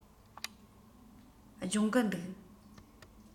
སྦྱོང གི འདུག